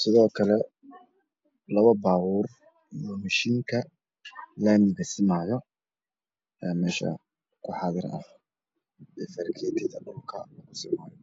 sidoo kale labo baabuur iyo mashiinka laamiga simaayo ayaa meesha ku xaadir ah iyo farkeetada dhulka lagu simaayo